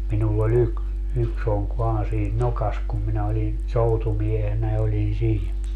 minulla oli - yksi onki vain siinä nokassa kun minä olin soutumiehenä olin siinä